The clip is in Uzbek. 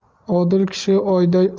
odil kishi oyday